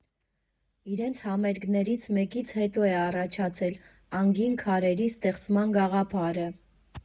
Իրենց համերգներից մեկից հետո է առաջացել «Անգին քարերի» ստեղծման գաղափարը։